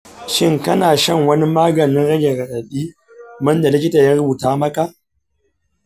shin kana shan wani maganin rage raɗaɗi wanda likita ya rubuta maka?